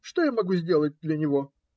Что я могу сделать для него?